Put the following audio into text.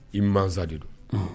I mansa de don